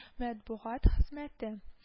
Мәтбугат хезмәте